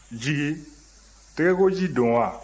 jigi tɛgɛkoji don wa